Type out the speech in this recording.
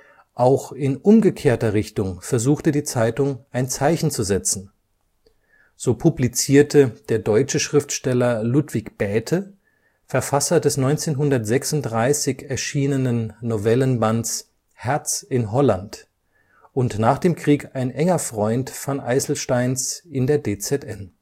Auch in umgekehrter Richtung versuchte die Zeitung ein Zeichen zu setzen; so publizierte der deutsche Schriftsteller Ludwig Bäte, Verfasser des 1936 erschienenen Novellenbands „ Herz in Holland “und nach dem Krieg ein enger Freund van Eysselsteijns, in der DZN